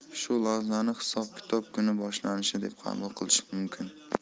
shu lahzani hisob kitob kuni boshlanishi deb qabul qilish mumkin